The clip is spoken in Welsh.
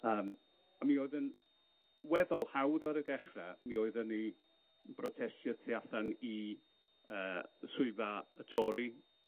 Yym a mi oedd yn weddol hawdd ar y dechre, mi oeddwn i yn brotestio tu allan i yy swyddfa y Tori,